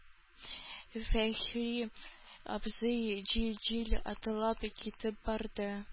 Фәхри абзый җил-җил атлап китеп барды.